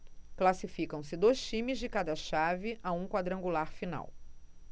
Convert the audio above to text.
classificam-se dois times de cada chave a um quadrangular final